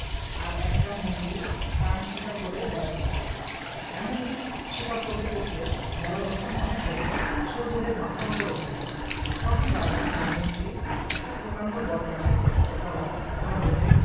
আর এক কান মন্ত্রী কান শিকার করে বেড়াতে লাগলেন এমনি শিকার করতে করতে বেলা যখন অনেক হল সূর্যদেব মাথার উপর উঠলেন তখন রাজা আর মন্ত্রী একটা প্রকাণ্ড বটগাছের তলায় ঘোড়া বেঁধে